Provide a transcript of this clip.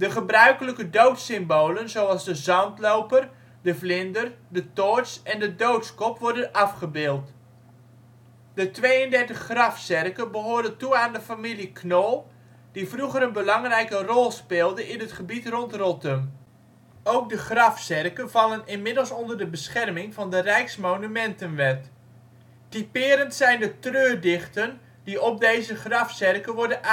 gebruikelijke doodssymbolen zoals de zandloper, de vlinder, de toorts en de doodskop worden afgebeeld. De 32 grafzerken behoren toe aan de familie Knol die vroeger een belangrijke rol speelde in het gebied rond Rottum. Ook de grafzerken vallen inmiddels onder de bescherming van de Rijksmonumentenwet. Typerend zijn de treurdichten die op deze grafzerken worden aangetroffen